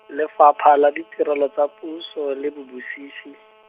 Lefapha la Ditirelo tsa Puso le Bobusisi.